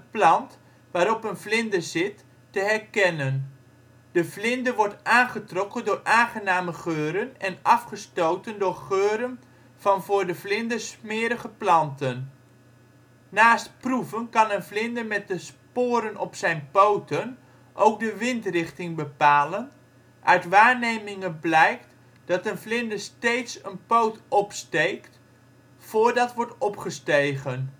plant waarop een vlinder zit te herkennen. De vlinder worden aangetrokken door aangename geuren en afgestoten door geuren van voor de vlinder smerige planten. Naast proeven kan een vlinder met de sporen op zijn poten ook de windrichting bepalen, uit waarnemingen blijkt dat een vlinder steeds een poot opsteekt voordat wordt opgestegen